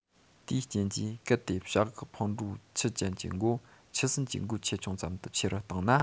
དེའི རྐྱེན གྱིས གལ ཏེ བྱ གག ཕང འགྲོའི མཆུ ཅན གྱི མགོ ཆུ སྲིན གྱི མགོའི ཆེ ཆུང ཙམ དུ ཆེ རུ བཏང ན